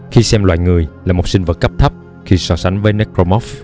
khi xem loài người là một sinh vật cấp thấp khi so sánh với necromorph